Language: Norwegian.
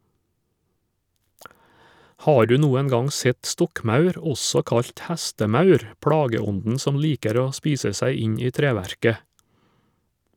Har du noen gang sett stokkmaur, også kalt hestemaur , plageånden som liker å spise seg inn i treverket?